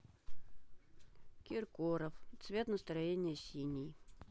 киркоров цвет настроения синий